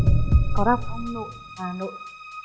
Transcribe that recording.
có đọc ông nội bà nội